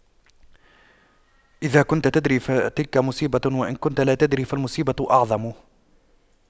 إذا كنت تدري فتلك مصيبة وإن كنت لا تدري فالمصيبة أعظم